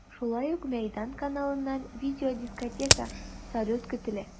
Шулай ук “Мәйдан” каналыннан видеодискотека, салют көтелә.